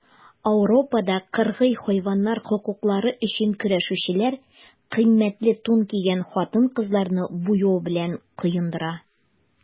Ауропада кыргый хайваннар хокуклары өчен көрәшүчеләр кыйммәтле тун кигән хатын-кызларны буяу белән коендыра.